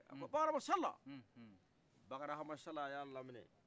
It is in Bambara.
a ko bakari hama sala bakari hama sala y'a laminɛ